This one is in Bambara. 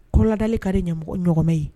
Kɔlɔladali ka de ɲɛmɔgɔ ɲmɛ ye